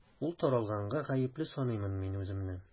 Ул таралганга гаепле саныймын мин үземне.